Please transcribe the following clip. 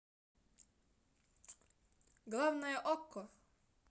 главное okko